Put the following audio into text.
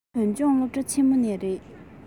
བོད ལྗོངས སློབ གྲྭ ཆེན མོ ནས རེད